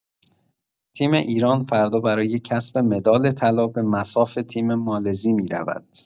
تیم ایران فردا برای کسب مدال طلا به مصاف تیم مالزی می‌رود.